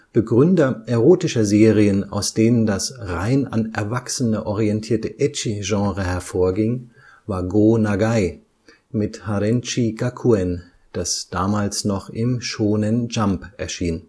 Begründer erotischer Serien, aus denen das rein an Erwachsene orientierte Etchi-Genre hervorging, war Gō Nagai mit Harenchi Gakuen, das damals noch im Shōnen Jump erschien